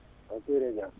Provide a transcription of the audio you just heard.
on kiire jaam